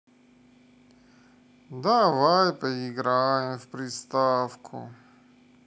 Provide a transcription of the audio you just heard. давай поиграем в приставку